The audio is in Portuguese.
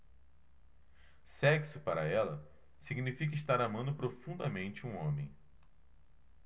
sexo para ela significa estar amando profundamente um homem